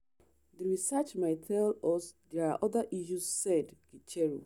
… The research might tell us there are other issues,” said Gicheru.